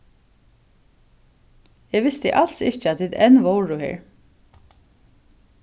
eg visti als ikki at tit enn vóru her